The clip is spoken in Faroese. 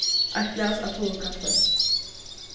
eitt glas av pulvurkaffi